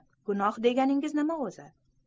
gunoh deganingiz nima o'zi